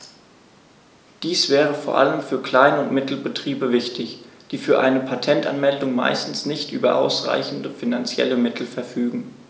Dies wäre vor allem für Klein- und Mittelbetriebe wichtig, die für eine Patentanmeldung meistens nicht über ausreichende finanzielle Mittel verfügen.